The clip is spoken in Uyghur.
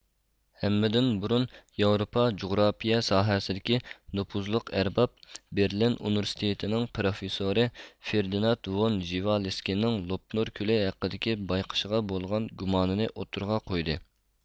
ھەممىدىن بۇرۇن ياۋروپا جۇغراپىيە ساھەسىدىكى نوپۇزلۇق ئەرباب بېرلىن ئۇنىۋېرسىتېتىنىڭ پروفېسسورى فېردىنات ۋون ژېۋالسكىنىڭ لوپنۇر كۆلى ھەققىدىكى بايقىشىغا بولغان گۇمانىنى ئوتتۇرىغا قويدى